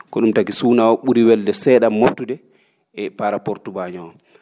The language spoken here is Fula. ko ?um taki suuna oo ?uri welde see?a mobtude e par rapport tubaañoo oo